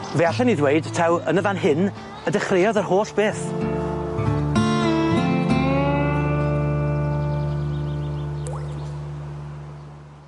Fe allen ni ddweud, taw, yn y fan hyn, y dechreuodd yr holl beth.